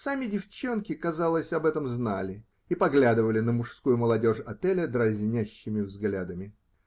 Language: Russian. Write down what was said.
Сами девчонки, казалось, об этом знали и поглядывали на мужскую молодежь отеля дразнящими взглядами.